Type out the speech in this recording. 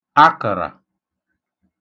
akə̣̀rà